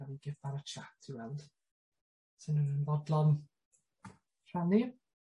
Gawn ni gip ar y chat i weld sa unrywun yn bodlon rhannu?